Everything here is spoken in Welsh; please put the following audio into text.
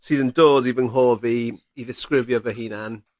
sydd yn dod i fy nghof i i ddisgrifio fy hunan